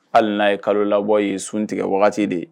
Hali n'a ye kalo labɔ ye sun tigɛ wagati de ye